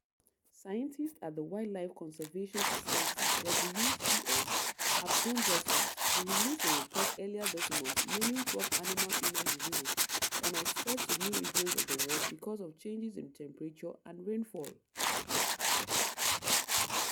Scientists at the Wildlife Conservation Society (WCS) have done just that — they released a report earlier this month naming 12 animal-human diseases that might spread to new regions of the world because of changes in temperature and rainfall.